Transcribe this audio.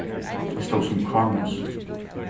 eg stóð sum kánus